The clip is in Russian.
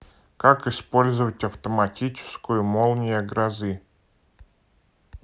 как использовать автоматическую молния грозы